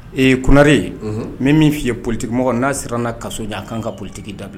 Ee kunre min min f'i ye politigimɔgɔ n'a sera n' ka a kan ka politigi dabila